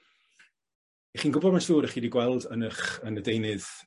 'Ych chi'n gwbod ma'n siŵr 'ych chi 'di gweld yn 'ych yn y deunydd